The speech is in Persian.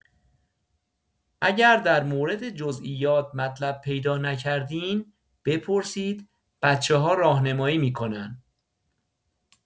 اگر در مورد جزییات مطلب پیدا نکردین، بپرسید، بچه‌ها راهنمایی می‌کنن.